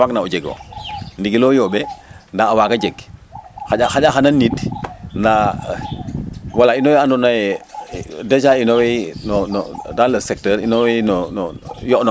ka waagna o jeg o ndigil lo yooɓee ndaa a waaga jeg xaƴa xana niid ndaa wala ino we andoona yee deja ino wey nono dans le secteur ino woy no